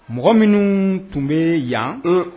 Mɔgɔ minnu tun bɛ yan